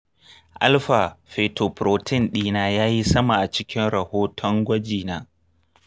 alpha fetoprotein dina ya yi sama a cikin rahoton gwaji na.